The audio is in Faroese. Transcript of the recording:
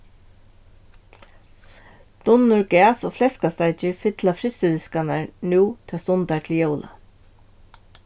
dunnur gæs og fleskasteikir fylla frystidiskarnar nú tað stundar til jóla